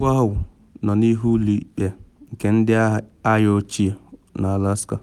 Okwu ahụ nọ n’ihu Ụlọ Ikpe nke Ndị Agha Ochie nke Alaska.